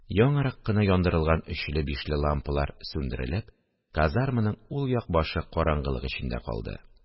Яңарак кына яндырылган өчле, бишле лампалар сүндерелеп, казарманың ул як башы караңгылык эчендә калды